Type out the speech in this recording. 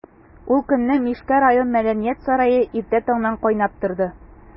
Ул көнне Мишкә район мәдәният сарае иртә таңнан кайнап торды.